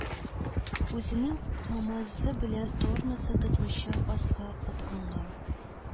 Үзенең «камаз»ы белән тормозы тотмыйча аска, упкынга